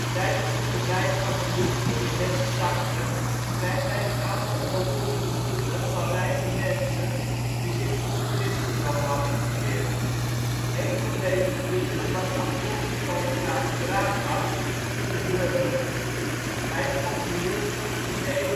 Tijdens het verblijf van Liudger in West-Saksen krijgt hij een aantal onroerende goederen van rijke mensen, die zich tot het christendom hadden bekeerd. Een van deze goederen was afkomstig van graaf Wrachar te Brummen. Hij schonk Liudger in 794